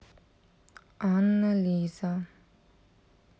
анна лиза